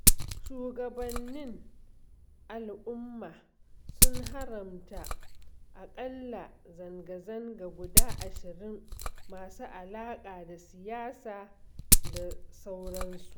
Shugabannin al'umma sun haramta a ƙalla zanga-zanga guda 20 masu alaƙa da siyasa da sauransu.